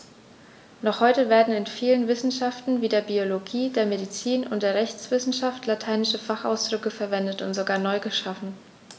Noch heute werden in vielen Wissenschaften wie der Biologie, der Medizin und der Rechtswissenschaft lateinische Fachausdrücke verwendet und sogar neu geschaffen.